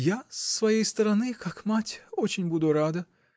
я, с своей стороны, как мать, очень буду рада.